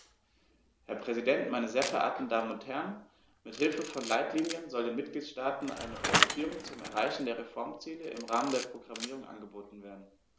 Herr Präsident, meine sehr verehrten Damen und Herren, mit Hilfe von Leitlinien soll den Mitgliedstaaten eine Orientierung zum Erreichen der Reformziele im Rahmen der Programmierung angeboten werden.